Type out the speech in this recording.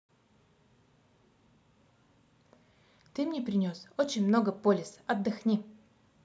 ты мне принес очень много полис отдохни